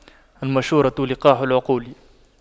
المشورة لقاح العقول